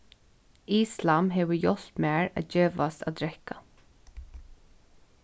islam hevur hjálpt mær at gevast at drekka